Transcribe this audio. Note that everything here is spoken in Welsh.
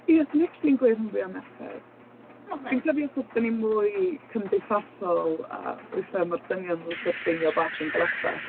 Ie 'swn i acshyli yn gweud rhan fwya merched... O neis. ...Dwi'n credu achos dan ni'n mwy cymdeithasol a weithiau mae'r dynion yn licio treinio bach yn galetach.